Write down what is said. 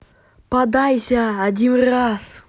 поддайся один раз